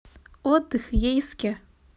отдых в ейске